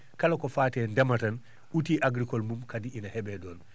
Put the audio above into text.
kala ko faati e ndema tan outil agricol mum kadi ene heɓee ɗon